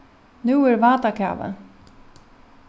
nú er vátakavi